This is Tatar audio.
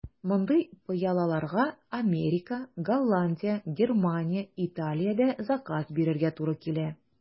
Мондый пыялаларга Америка, Голландия, Германия, Италиядә заказ бирергә туры килә.